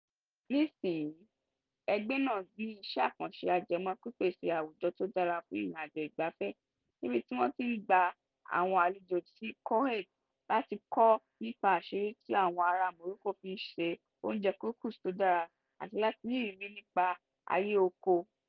Nísìnyìí, ẹgbẹ́ náà ní iṣẹ́ àkànṣe ajẹmọ́ pípèsè àwùjọ́ tó dárá fún ìrìnàjò ìgbáfẹ́ níbí tí wọ́n tí ń gba àwọn àlejò sí Khoukhate láti kọ́ nípa àṣírí tí àwọn ará Morocco fí n se oúnjẹ Couscous tó dára àti láti ní ìrírí nípa áyé oko.